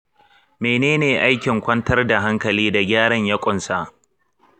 mene ne aikin kwantar da hankali da gyaran ya ƙunsa?